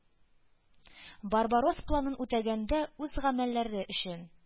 “барбаросс” планын үтәгәндә үз гамәлләре өчен